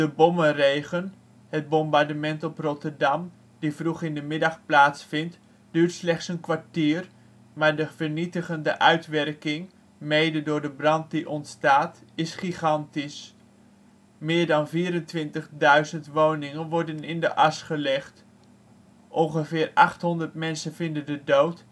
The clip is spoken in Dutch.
bommenregen, het bombardement op Rotterdam, die vroeg in de middag plaatsvindt, duurt slechts een kwartier, maar de vernietigende uitwerking, mede door de brand die ontstaat, is gigantisch. Meer dan 24.000 woningen worden in de as gelegd. Ongeveer 800 mensen vinden de dood en 80.000